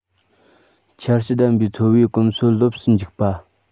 འཆར གཞི ལྡན པའི འཚོ བའི གོམ སྲོལ ལོབས སུ འཇུག པ